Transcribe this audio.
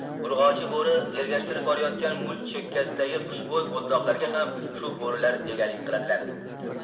urg'ochi bo'ri ergashtirib borayotgan mulk chekkasidagi xushbo'y o'tloqlarga ham shu bo'rilar egalik qiladilar